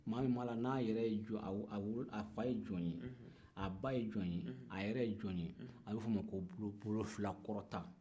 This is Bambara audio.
maa min b'a la n'a yɛrɛ ye jɔn ye a fa ye jɔn ye a ba ye jɔn ye a yɛrɛ ye jɔn ye a bɛ f'o ma ko bolofilakɔrɔta